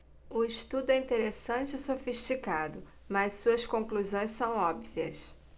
o estudo é interessante e sofisticado mas suas conclusões são óbvias